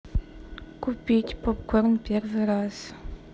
купить попкорн первый раз